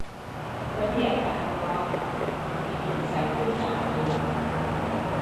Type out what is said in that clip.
วันนี้อากาศร้อนเหมือนมีตุ่มใสขึ้นตามตัว